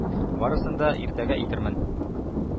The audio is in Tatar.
Барысын да иртәгә әйтермен...